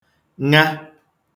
ṅa